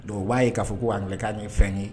Don b'a ye k'a fɔ ko' k'a ye fɛn ye